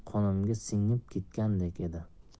qonimga singib ketgandek edi